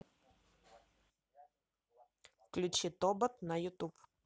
включи тобот на ютуб